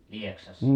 Lieksassa